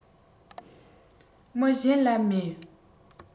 མི གཞན ལ མེད